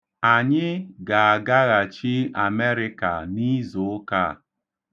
Anyị ga-agaghachi Amerịka n'izụụka a.